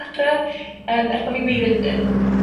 er bo' fi wir